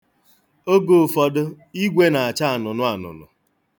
Oge ụfọdụ, igwe na-acha anụnụanụnụ.